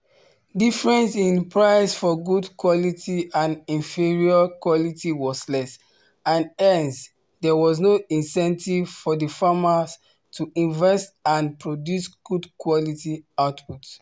Difference in price for good quality and inferior quality was less, and hence there was no incentive for the farmers to invest and produce good quality output.